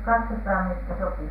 kaksisataa miestä sopi